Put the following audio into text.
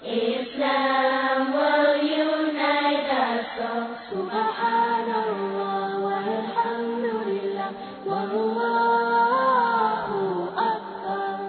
Miniyan mɔinɛ wa le le la